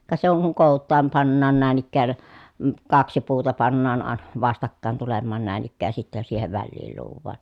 ka se on kun kootaan pannaan näin ikään - kaksi puuta pannaan - vastakkain tulemaan näin ikään ja sitten siihen väliin luodaan